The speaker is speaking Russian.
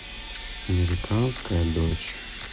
американская дочь